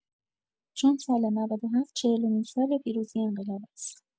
چون سال ۹۷ چهلمین سال پیروزی انقلاب است.